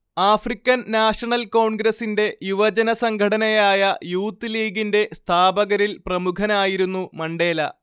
African national കോൺഗ്രസ്സിന്റെ യുവജനസംഘടനയായ youth ലീഗിന്റെ സ്ഥാപകരിൽ പ്രമുഖനായിരുന്നു മണ്ടേല